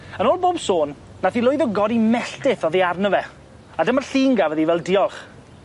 Yn ôl bob sôn, nath 'i lwyddo godi melltith oddi arno fe, a dyma'r llun gafodd 'i fel diolch.